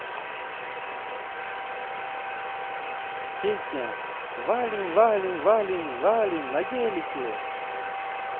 песня валим валим валим валим на гелике